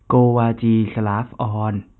โกวาจีสลาฟออน